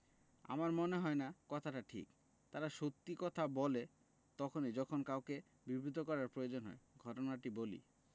আমার মনে হয় না কথাটা ঠিক তারা সত্যি কথা বলে তখনি যখন কাউকে বিব্রত করার প্রয়ােজন হয় ঘটনাটা বলি